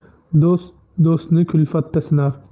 do'st do'stni kulfatda sinar